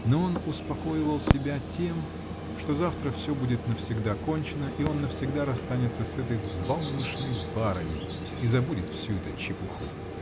Но он успокоивал себя тем, что завтра все будет навсегда кончено и он навсегда расстанется с этой взбалмошной барыней -- и забудет всю эту чепуху!.